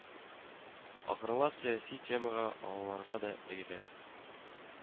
Акрынлап сәяси темага алынырга да өрьәт